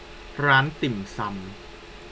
ร้านติ่มซำ